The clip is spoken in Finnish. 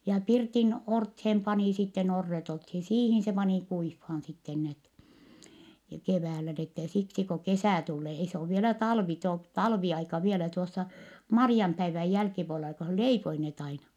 ja pirtin orteen pani sitten orret oltiin siihen se pani kuivamaan sitten ne keväällä niin että siksi kun kesä tulee ei se ole vielä talvi - talviaika vielä tuossa Marianpäivän jälkipuolella kun hän leipoi ne aina